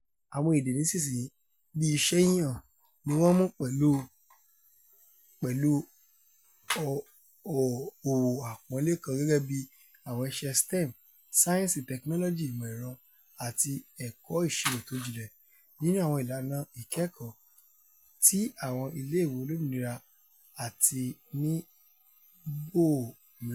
Àwọn èdè nísinsìnyí, bí i̇ṣẹ́ yíyàn, niwọ́n ńmú pẹ̀lú ọwọ́ àpọ́nlẹ́ kaǹ gẹ́gẹ́bí àwọn iṣẹ́ STEM (sáyẹ́ńsì, tẹkinọlọji, ìmọ̀-ẹ̀rọ àti ẹ̀kọ́ ìsiró tójinlẹ̀) nínú àwọn ìlànà ìkẹ́kọ̀ọ́ ti àwọn ilé ìwé olómìnira àti níbiimíràn.